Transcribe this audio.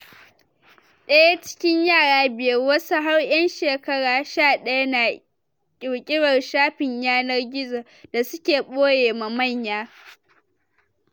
Daya cikin yara biyar - wasu har yan shekara 11 - na kirkirar shafin yanar gizo da suke boyema manya.